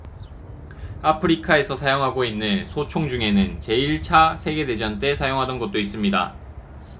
아프리카에서 사용하고 있는 소총 중에는 제 일 차 세계 대전 때 사용하던 것도 있습니다